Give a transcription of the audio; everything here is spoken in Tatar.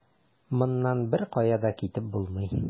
Моннан беркая да китеп булмый.